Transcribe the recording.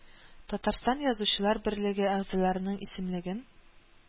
Татарстан Язучылар берлеге әгъзаларының исемлеген